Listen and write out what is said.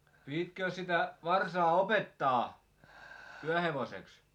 pitikö sitä varsaa opettaa työhevoseksi